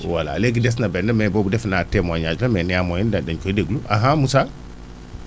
voilà léegi des na benn mais boobu defe naa temoignage la mais néamoins dañ koy déglu Moussa